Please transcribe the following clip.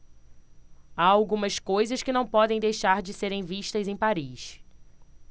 há algumas coisas que não podem deixar de serem vistas em paris